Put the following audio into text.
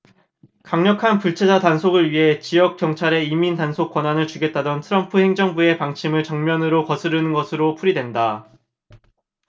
강력한 불체자 단속을 위해 지역 경찰에 이민 단속 권한을 주겠다던 트럼프 행정부의 방침을 정면으로 거스른 것으로 풀이된다